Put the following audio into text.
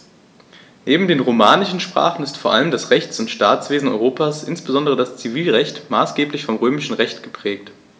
Neben den romanischen Sprachen ist vor allem das Rechts- und Staatswesen Europas, insbesondere das Zivilrecht, maßgeblich vom Römischen Recht geprägt.